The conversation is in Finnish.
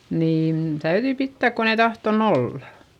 niin täytyi pitää kun ei tahtonut olla